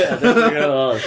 Ia, yn deffro'n ganol nos, ia.